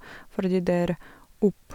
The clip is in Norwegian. Fordi det er opp.